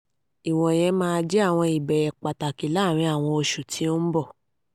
Ìwọ̀nyẹn máa jẹ́ àwọn ìbéèrè pàtàkì láàárín àwọn oṣù tí ó ń bọ̀.